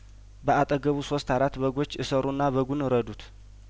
አጠገቡ ሶስት አራት በጐች እሰሩና በጉን እረዱት